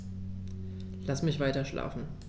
Lass mich weiterschlafen.